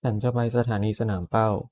ฉันจะไปสถานีสนามเป้า